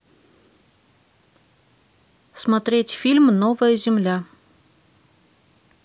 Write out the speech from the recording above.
смотреть фильм новая земля